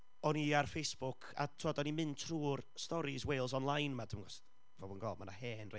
O'n i ar Facebook, a, tibod o'n i'n mynd trwy'r stories Wales Online 'ma. Dwi'm yn gwbod os pobl yn gweld, ma' 'na hen, rai.